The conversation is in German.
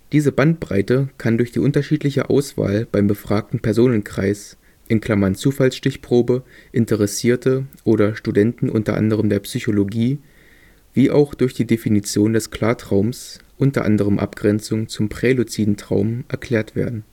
Diese Bandbreite kann durch die unterschiedliche Auswahl beim befragten Personenkreis (Zufallsstichprobe, Interessierte, Studenten u. a. der Psychologie) wie auch durch die Definition des Klartraums (u. a. Abgrenzung zum prä-luziden Traum) erklärt werden